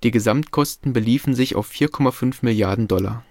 Gesamtkosten beliefen sich auf 4,5 Milliarden Dollar